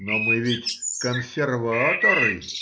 но мы ведь консерваторы